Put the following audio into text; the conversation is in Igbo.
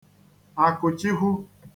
Akụ̀chikwu